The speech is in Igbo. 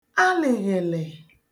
alị̀ghị̀lị̀